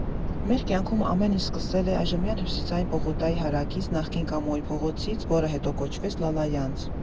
Մեր կյանքում ամեն ինչ սկսել է այժմյան Հյուսիսային պողոտայի հարակից՝ նախկին Կամոյի փողոցից, որը հետո կոչվեց Լալայանց։